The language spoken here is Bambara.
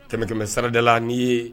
Tɛmɛ kɛmɛmɛ sarada la ni'i ye